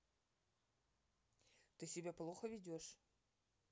ты себя плохо ведешь